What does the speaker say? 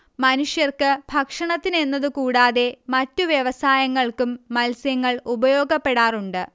മനുഷ്യർക്ക് ഭക്ഷണത്തിനെന്നത് കൂടാതെ മറ്റു വ്യവസായങ്ങൾക്കും മത്സ്യങ്ങൾ ഉപയോഗപ്പെടാറുണ്ട്